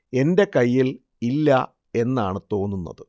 എന്റെ കയ്യിൽ ഇല്ല എന്നാണ് തോന്നുന്നത്